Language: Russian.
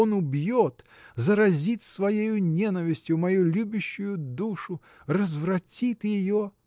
Он убьет, заразит своею ненавистью мою любящую душу, развратит ее.